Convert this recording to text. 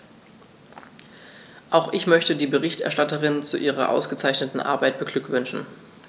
Auch ich möchte die Berichterstatterin zu ihrer ausgezeichneten Arbeit beglückwünschen.